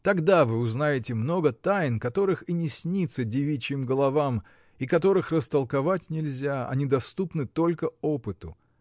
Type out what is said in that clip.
Тогда вы узнаете много тайн, которых и не снится девичьим головам и которых растолковать нельзя: они доступны только опыту.